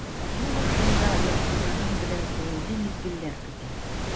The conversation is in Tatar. Атна башында якыннарың белән күңелле мизгелләр көтә.